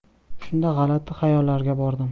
shunda g'alati xayollarga bordim